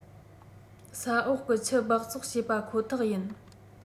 ས འོག གི ཆུ སྦགས བཙོག བྱེད པ ཁོ ཐག ཡིན